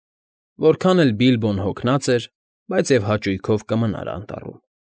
Որքան էլ Բիլբոն հոգնած էր, բայց և հաճույքով կմնար անտառում։